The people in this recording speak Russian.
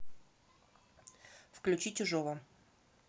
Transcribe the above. включи чужого